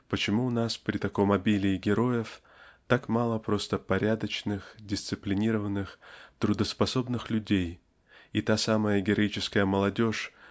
почему у нас при таком обилии героев так мало просто порядочных дисциплинированных трудоспособных людей и та самая героическая молодежь